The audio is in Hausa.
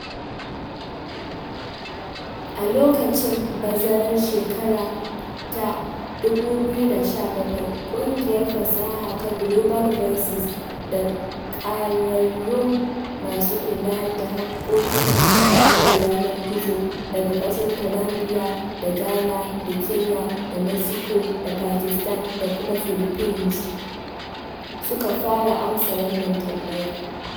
A lokacin bazarar shekarar 2017, ƙungiyar fasaha ta Global Voices da ƙwararrun masu kula da haƙƙoƙin amfani da yanar gizo daga ƙasar Colambia da Ghana da Kenya da Mexico da Pakistan da kuma Philippines suka fara amsa wannan tambaya.